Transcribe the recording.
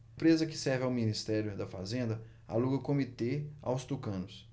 empresa que serve ao ministério da fazenda aluga comitê aos tucanos